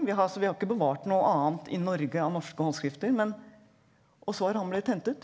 vi altså vi har ikke bevart noe annet i Norge av norske håndskrifter men og så har han blitt hentet.